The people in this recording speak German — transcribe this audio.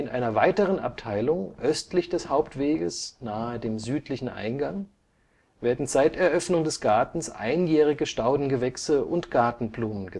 einer weiteren Abteilung östlich des Hauptweges, nahe dem südlichen Eingang, werden seit Eröffnung des Gartens einjährige Staudengewächse und Gartenblumen